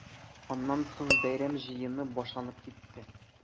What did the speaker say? Аннан соң бәйрәм җыены башланып китте.